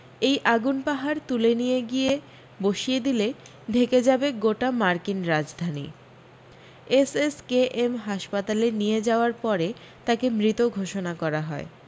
এ আগুন পাহাড় তুলে নিয়ে গিয়ে বসিয়ে দিলে ঢেকে যাবে গোটা মার্কিন রাজধানী এসএসকেএম হাসপাতালে নিয়ে যাওয়ার পরে তাঁকে মৃত ঘোষণা করা হয়